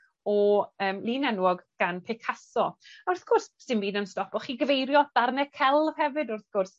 o yym lun enwog gan Picasso. A wrth gwrs, sdim byd yn stopo chi gyfeirio darnau cel' hefyd wrth gwrs